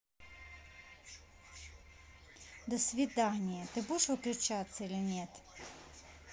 до свидания ты будешь выключаться или нет